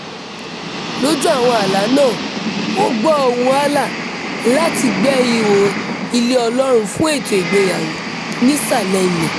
Lójú àwọn àlá náà, ó gbọ́ ohùn-un Allah láti gbẹ́ ihò ilé Ọlọ́run fún ètò ìgbéyàwó nísàlẹ̀ ilẹ̀.